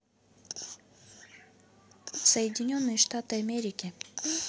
соединенные штаты америки